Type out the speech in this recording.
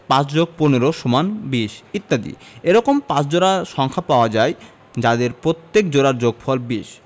৫যোগ১৫সমান২০ ইত্যাদি এরকম ৫ জোড়া সংখ্যা পাওয়া যায় যাদের প্রত্যেক জোড়ার যোগফল ২০